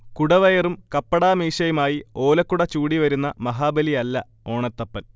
കുടവയറും കപ്പടാമീശയുമായി ഓലക്കുട ചൂടിവരുന്ന മഹാബലിയല്ല ഓണത്തപ്പൻ